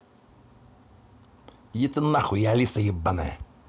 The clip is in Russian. иди ты нахуй и алиса ебаная